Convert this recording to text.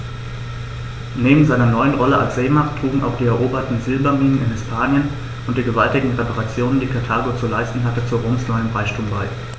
Neben seiner neuen Rolle als Seemacht trugen auch die eroberten Silberminen in Hispanien und die gewaltigen Reparationen, die Karthago zu leisten hatte, zu Roms neuem Reichtum bei.